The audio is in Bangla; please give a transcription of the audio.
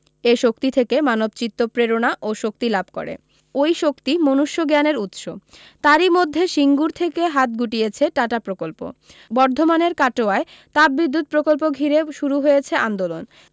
এ শক্তি থেকে মানবচিত্ত প্রেরণা ও শক্তি লাভ করে অই শক্তি মনুষ্যজ্ঞানের উৎস তারি মধ্যে সিঙ্গুর থেকে হাত গুটিয়েছে টাটা প্রকল্প বর্ধমানের কাটোয়ায় তাপবিদ্যুত প্রকল্প ঘিরে শুরু হয়েছে আন্দোলন